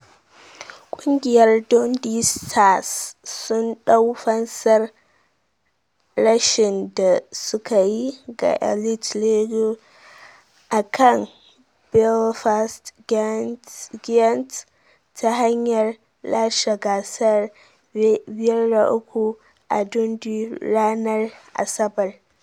Kungiyar Dundee Stars sun dau fansar rashin da sukayi ga Elite League a kan Belfast Giants ta hanyar lashe gasar 5-3 a Dundee ranar Asabar.